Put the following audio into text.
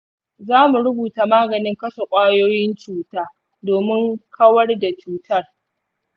za mu rubuta maganin kashe ƙwayoyin cuta domin kawar da cutar.